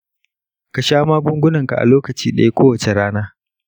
ka sha magungunanka a lokaci ɗaya kowace rana.